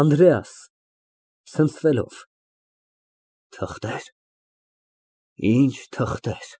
ԱՆԴՐԵԱՍ ֊ (Ցնցվելով) Թղթեր, ի՞նչ թղթեր։